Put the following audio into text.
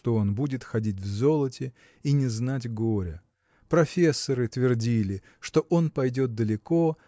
что он будет ходить в золоте и не знать горя профессоры твердили что он пойдет далеко